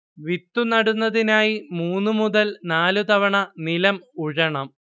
വിത്ത് നടുന്നതിനായി മൂന്ന് മുതൽ നാല് തവണ നിലം ഉഴണം